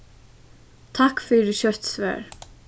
takk fyri skjótt svar